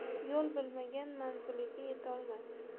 yo'l bilmagan manziliga yetolmas